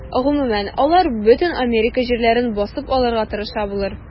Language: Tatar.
Гомумән, алар бөтен Америка җирләрен басып алырга тырыша булыр.